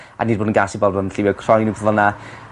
a ni 'di bod yn gas i bobol am lliwie croen a pethe fel 'na